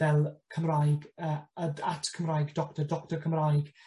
Fel Cymraeg yy yd- at Cymraeg doctor doctor Cymraeg.